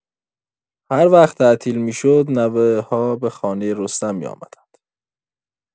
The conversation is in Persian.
هر وقت تعطیلات می‌شد، نوه‌ها به خانۀ رستم می‌آمدند.